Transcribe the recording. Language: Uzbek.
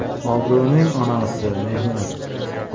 obro'ning onasi mehnat